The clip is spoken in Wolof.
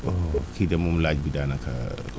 kii de moom laaj bi daanak